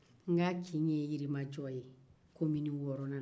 n ka kin ye yirimajɔ ye komini wɔɔrɔnan na